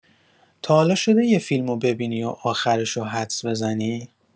تا حالا شده یه فیلمو ببینی و آخرشو حدس بزنی؟